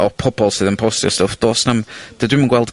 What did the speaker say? o pobol sydd yn postio stwff, do's na'm, dydw i 'im gweld...